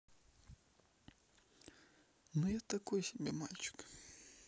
ну я такой себе мальчик